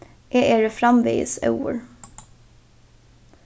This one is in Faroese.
eg eri framvegis óður